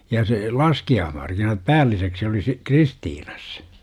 ja se laskiaismarkkinat päälliseksi oli - Kristiinassa